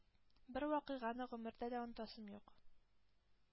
Бер вакыйганы гомергә дә онытасым юк.